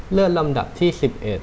เลือกลำดับที่สิบเอ็ด